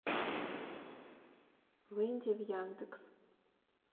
выйди в яндекс